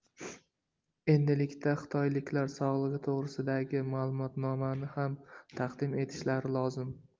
endilikda xitoyliklar sog'lig'i to'g'risidagi ma'lumotnomani ham taqdim etishlari lozim